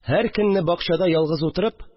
Һәр көнне бакчада ялгыз утырып